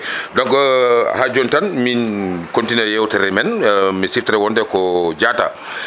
donc joni tan min kontina yewtere men mi sifira wonde ko Diatta